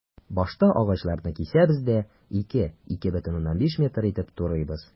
Башта агачларны кисәбез дә, 2-2,5 метр итеп турыйбыз.